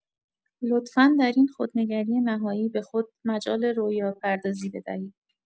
لطفا در این خودنگری نهایی به خود مجال رویاپردازی بدهید.